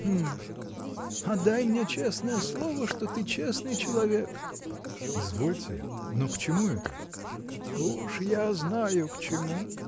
-- Гм. А дай мне честное слово, что ты честный человек. -- Извольте. Но к чему это? -- Уж я знаю, к чему.